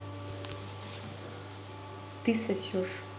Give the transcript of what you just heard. ты сосешь